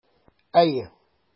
Әйе.